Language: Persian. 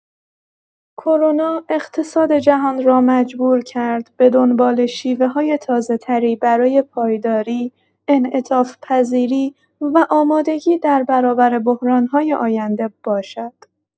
کرونا اقتصاد جهان را مجبور کرد به دنبال شیوه‌های تازه‌تری برای پایداری، انعطاف‌پذیری و آمادگی در برابر بحران‌های آینده باشد.